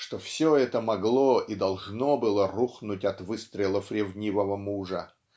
что все это могло и должно было рухнуть от выстрелов ревнивого мужа